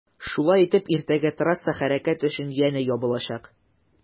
Шулай итеп иртәгә трасса хәрәкәт өчен янә ябылачак.